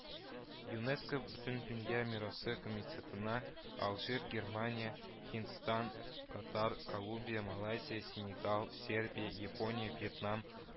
ЮНЕСКО Бөтендөнья мирасы комитетына Алжир, Германия, Һиндстан, Катар, Колумбия, Малайзия, Сенегал, Сербия, Япония, Вьетнам